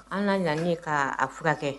An yanani kaa furakɛ kɛ